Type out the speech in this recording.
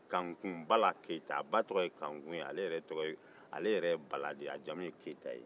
kankun bala keyita a ba tɔgɔ ye kankun ye ale yɛrɛ ye bala de ye a jamu ye keyita ye